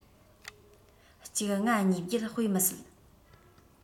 ༡༥༢༨ དཔེ མི སྲིད